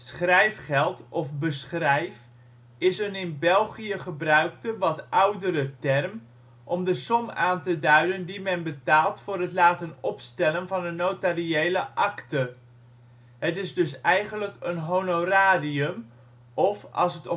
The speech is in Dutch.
Schrijfgeld of beschrijf is een in België gebruikte (wat oudere) term om de som aan te duiden die men betaalt voor het laten opstellen van een notariële akte. Het is dus eigenlijk een honorarium, of als